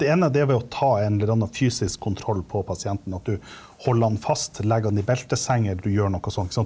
det ene det er ved å ta en eller annen fysisk kontroll på pasienten, at du holder han fast, legger han i belteseng eller du gjør noe sånn, sant.